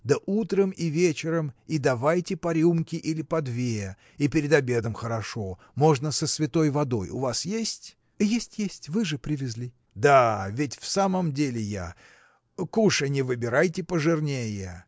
да утром и вечером и давайте по рюмке или по две и перед обедом хорошо можно со святой водой. у вас есть? – Есть, есть: вы же привезли. – Да, ведь в самом деле я. Кушанья выбирайте пожирнее.